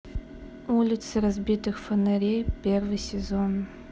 улицы разбитых фонарей первый сезон